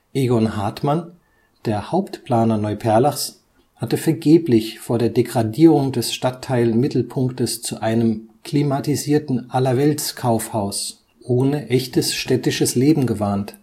Egon Hartmann, der Hauptplaner Neuperlachs, hatte vergeblich vor der Degradierung des Stadtteilmittelpunktes zu einem „ klimatisierten Allerweltskaufhaus “ohne echtes städtisches Leben gewarnt